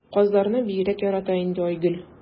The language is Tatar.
Казларны бигрәк ярата инде Айгөл.